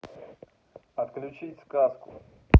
отключить сказку